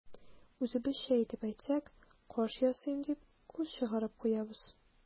Үзебезчә итеп әйтсәк, каш ясыйм дип, күз чыгарып куябыз.